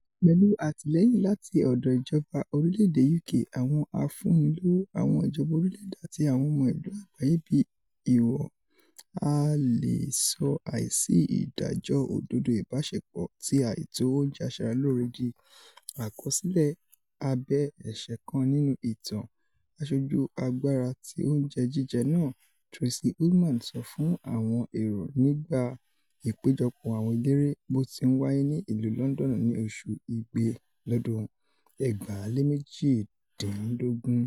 Pẹ̀lú àtìlẹ́yìn láti ọ̀dọ̀ ìjọba orílẹ̀-èdè UK, àwọn afúnnilówó. àwọn ìjọba orílẹ̀-èdè, àti Àwọn Ọmọ Ìlú Àgbáyé bíi ìwọ, a leè sọ àìsí ìdájọ́ òdodo ìbaṣepọ̀ ti àìtó oúnjẹ aṣaralóore dí àkọsílẹ abẹ́-ẹṣé kan nínú ìtàn,'' àṣojú Agbára ti Oúnjẹ Jíjẹ Náà Tracey Ullman sọ fún àwọm èrò nigba ìpéjọpọ̀ àwọn eléré bóti ńwáyé ní ìlú Lọndọnu ní oṣu Igbe lọ́dún 2018.